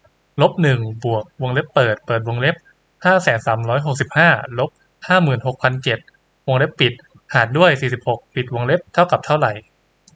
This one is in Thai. ลบหนึ่งบวกวงเล็บเปิดเปิดวงเล็บห้าแสนสามร้อยหกสิบห้าลบห้าหมื่นหกพันเจ็ดวงเล็บปิดหารด้วยสี่สิบหกปิดวงเล็บเท่ากับเท่าไหร่